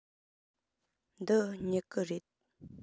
འདི སྨྱུ གུ རེད